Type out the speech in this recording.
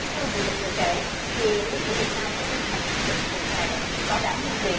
theo dự luật vừa kể thì chính phủ việt nam phải tiến hành các bước cụ thể bảo đảm nhân quyền